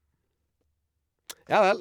Javel.